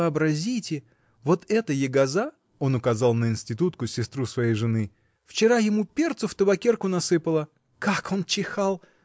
вообразите, вот эта егоза (он указал на институтку, сестру своей жены) вчера ему перцу в табакерку насыпала. -- Как он чихал!